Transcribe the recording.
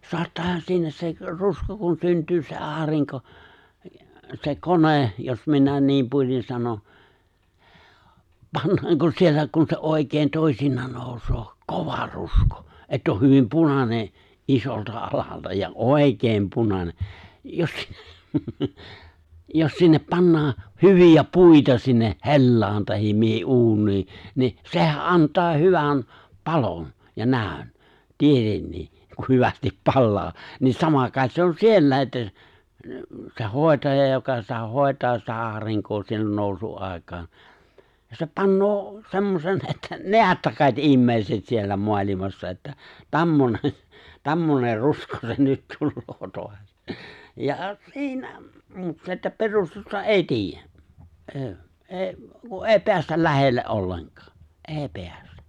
saattaahan siinä se rusko kun syntyy se aurinko se kone jos minä niin puolin sanon pannaanko siellä kun se oikein toisinaan nousee kova rusko että on hyvin punainen isolta alalta ja oikein punainen jos - jos sinne pannaan hyviä puita sinne hellaan tai mihin uuniin niin sehän antaa hyvän palon ja näön tietenkin kun hyvästi palaa niin sama kai se on siellä että se hoitaja joka sitä hoitaa sitä aurinkoa siellä nousun aikaan se panee semmoisen että näette kai te ihmiset siellä maailmassa että tämmöinen tämmöinen rusko se nyt tulee taas ja siinä se että perustusta ei tiedä ei ei kun ei päästä lähelle ollenkaan ei päästä